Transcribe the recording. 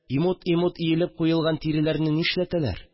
Имут-имут өелеп куелган тиреләрне нишләтәләр